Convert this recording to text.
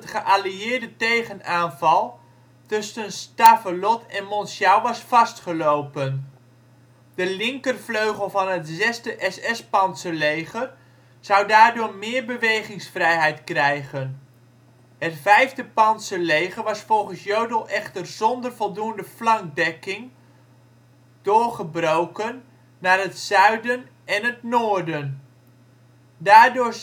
geallieerde tegenaanval tussen Stavelot en Monschau was vastgelopen. De linkervleugel van het 6e SS-pantserleger zou daardoor meer bewegingsvrijheid krijgen. Het 5e pantserleger was volgens Jodl echter zonder voldoende flankdekking doorgebroken naar het zuiden en het noorden. Daardoor